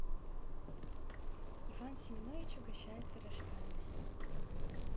иван семенович угощает пирожками